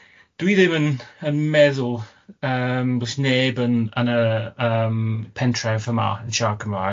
Dwi ddim yn yn meddwl yym does neb yn yn y yym pentref yma yn siarad Cymraeg.